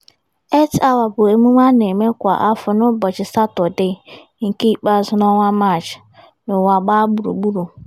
Earth Hour bụ emume a na-eme kwa afọ n'ụbọchị Stọdee nke ịkpazụ n'ọnwa Maachị, n'ụwa gbaa gburugburu.